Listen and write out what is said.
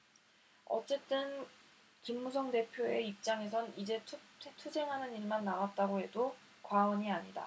어쨌든 김무성 대표의 입장에선 이제 투쟁하는 일만 남았다고 해도 과언이 아니다